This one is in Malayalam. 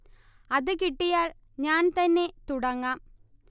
അത് കിട്ടിയാൽ ഞാൻ തന്നെ തുടങ്ങാം